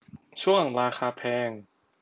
ช่วงราคาแพง